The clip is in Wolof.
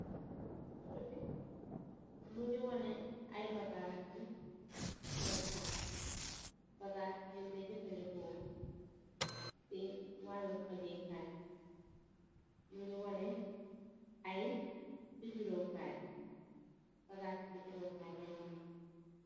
Fotobi mogi woneh ay bagssi lobitaan bagass yun deh jefendeko si walum fajeh kai mogi woneh ay piciro kai bagass piciro kai lay wonex.